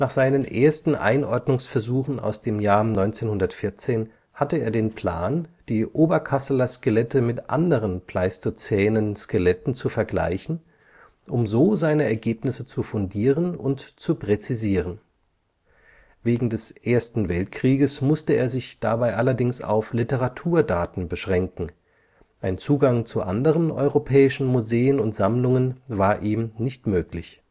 seinen ersten Einordnungsversuchen aus dem Jahr 1914 hatte er den Plan, die Oberkasseler Skelette mit anderen pleistozänen Skeletten zu vergleichen, um so seine Ergebnisse zu fundieren und zu präzisieren. Wegen des Ersten Weltkrieges musste er sich dabei allerdings auf Literaturdaten beschränken, ein Zugang zu anderen europäischen Museen und Sammlungen war ihm nicht möglich